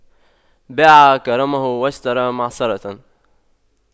باع كرمه واشترى معصرة